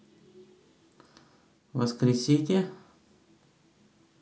воскресите